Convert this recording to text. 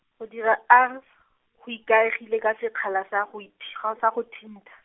go dira R, go ikaegile ka sekgala sa go ith- sa go thintha.